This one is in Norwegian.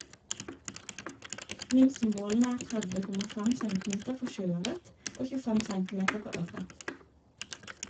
Minstemålene er 30,5 cm for sjøørret, og 25 cm for ørret.